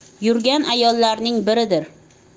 yurgan ayollarning biridir